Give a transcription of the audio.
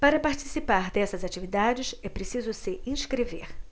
para participar dessas atividades é preciso se inscrever